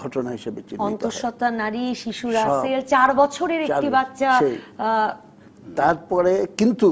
ঘটনা হিসেবে চিহ্নিত থাকবে অন্তঃসত্ত্বা নারী-শিশুরা সব ৪ বছরের একটি বাচ্চা সেই তারপরে কিন্তু